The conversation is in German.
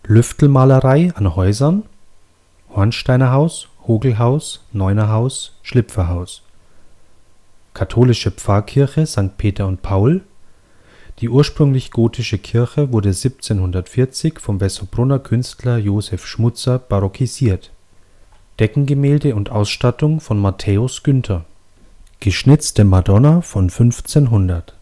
Lüftlmalerei an Häusern (Hornsteiner Haus, Hoglhaus, Neunerhaus, Schlipferhaus) kath. Pfarrkirche St. Peter und Paul, die ursprünglich gotische Kirche wurde 1740 vom Wessobrunner Künstler Joseph Schmuzer barockisiert. Deckengemälde und Ausstattung von Matthäus Günther. Geschnitzte Madonna von 1500